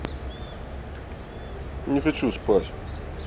не хочу спать